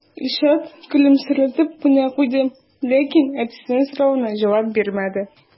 Илшат көлемсерәп кенә куйды, ләкин әтисенең соравына җавап бирмәде.